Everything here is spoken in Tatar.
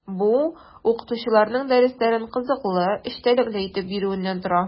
Бу – укытучыларның дәресләрен кызыклы, эчтәлекле итеп бирүеннән тора.